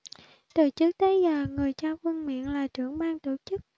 từ trước tới giờ người trao vương miện là trưởng ban tổ chức